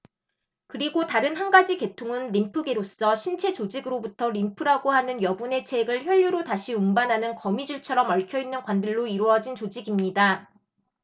그리고 다른 한 가지 계통은 림프계로서 신체 조직으로부터 림프라고 하는 여분의 체액을 혈류로 다시 운반하는 거미줄처럼 얽혀 있는 관들로 이루어진 조직입니다